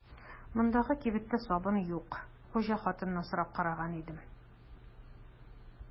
Мондагы кибеттә сабын юк, хуҗа хатыннан сорап караган идем.